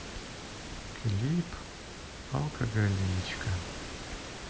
клип алкоголичка